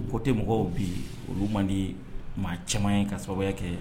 Kotɛ mɔgɔw bi olu man di maa caman ye ka sababuya kɛ